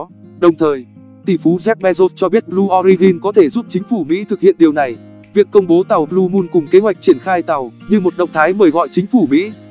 đồng thời tỷ phú jeff bezos cho biết blue origin có thể giúp chính phủ mỹ thực hiện điều này việc công bố tàu blue moon cùng kế hoạch triển khai tàu như một động thái mời gọi chính phủ mỹ